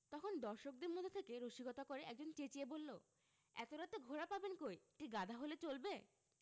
তখন দর্শকদের মধ্য থেকে রসিকতা করে একজন চেঁচিয়ে বললো এত রাতে ঘোড়া পাবেন কই একটি গাধা হলে চলবে